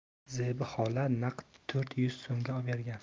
zebi xola naqd to'rt yuz so'mga obergan